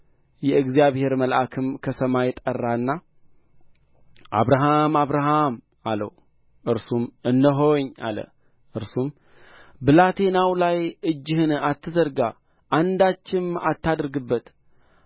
የእግዚአብሔር መልአክም ከሰማይ ጠራና አብርሃም አብርሃም አለው እርሱም እነሆኝ አለ እርሱም በብላቴናው ላይ እጅህን አትዘርጋ አንዳችም አታድርግበት